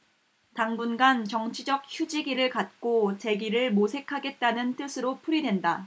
당분간 정치적 휴지기를 갖고 재기를 모색하겠다는 뜻으로 풀이된다